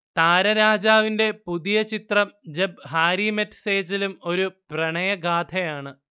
താരരാജാവിന്റെ പുതിയ ചിത്രം Jab Harry met സേജലും ഒരു പ്രണയഗാഥയാണ്